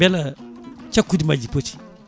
beela cakkudi majji pooti